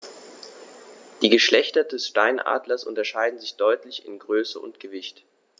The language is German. Die Geschlechter des Steinadlers unterscheiden sich deutlich in Größe und Gewicht.